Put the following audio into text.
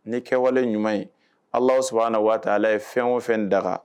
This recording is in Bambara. Ni kɛwale ɲuman ala aw sɔnna na waati ale ye fɛn o fɛn daga